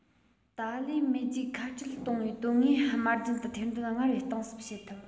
ཏཱ ལས མེས རྒྱལ ཁ བྲལ གཏོང བའི དོན དངོས དམར རྗེན དུ ཐེར འདོན སྔར བས གཏིང ཟབ བྱེད ཐུབ